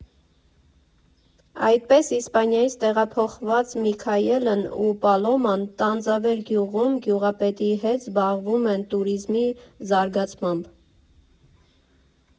Այդպես, Իսպանիայից տեղափոխված Միքայելն ու Պալոման Տանձավեր գյուղում գյուղապետի հետ զբաղվում են տուրիզմի զարգացմամբ։